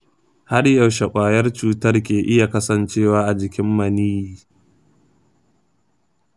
har yaushe kwayar cutar ke iya kasancewa a cikin maniyyi?